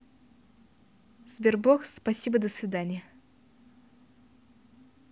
sberbox спасибо до свидания